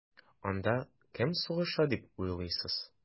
Анда кем сугыша дип уйлыйсыз?